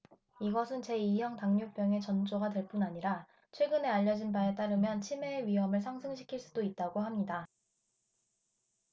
이것은 제 이 형 당뇨병의 전조가 될 뿐 아니라 최근에 알려진 바에 따르면 치매의 위험을 상승시킬 수도 있다고 합니다